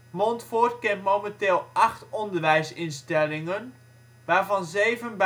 Montfoort kent momenteel acht onderwijsinstellingen, waarvan zeven